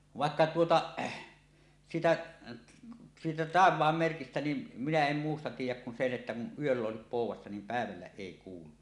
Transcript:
vaikka tuota siitä siitä taivaanmerkistä niin minä en muusta tiedä kun sen että kun yöllä olisi poudassa niin päivällä ei kuulu